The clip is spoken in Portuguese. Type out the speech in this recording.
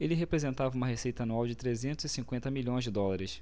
ele representava uma receita anual de trezentos e cinquenta milhões de dólares